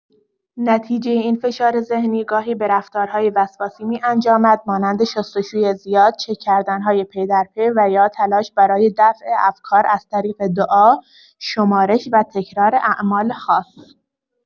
نتیجه این فشار ذهنی گاهی به رفتارهای وسواسی می‌انجامد، مانند شست‌وشوی زیاد، چک کردن‌های پی‌درپی و یا تلاش برای دفع افکار از طریق دعا، شمارش و تکرار اعمال خاص.